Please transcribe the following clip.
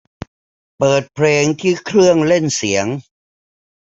เปิดเพลงที่เครื่องเล่นเสียง